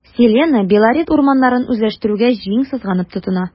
“селена” белорет урманнарын үзләштерүгә җиң сызганып тотына.